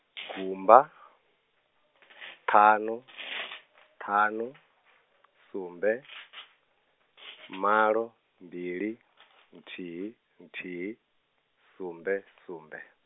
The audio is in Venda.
gumba, ṱhanu, ṱhanu, sumbe, malo, mbili, thihi, thihi, sumbe sumbe.